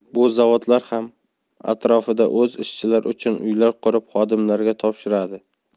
bu zavodlar ham atrofida o'z ishchilari uchun uylar qurib xodimlariga topshiradi